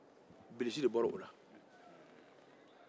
bilisi de bɔra o la